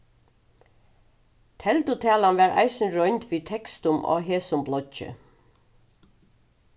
teldutalan varð eisini roynd við tekstum á hesum bloggi